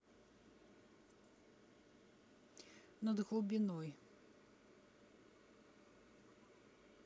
над глубиной